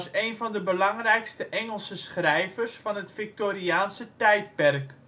een van de belangrijkste Engelse schrijvers van het Victoriaanse tijdperk